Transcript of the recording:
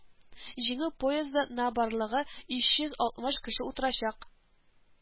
Җиңү поезды на барлыгы өч йөз алтмыш кеше утырачак